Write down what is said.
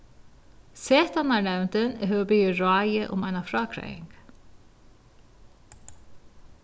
setanarnevndin hevur biðið ráðið um eina frágreiðing